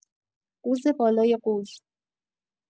قوز بالای قوز